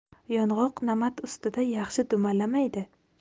yong'oq namat ustida yaxshi dumalamaydi